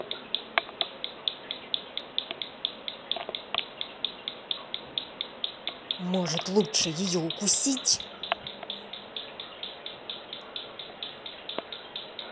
может лучше ее укусить